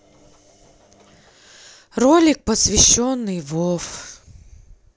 ролик посвященный вов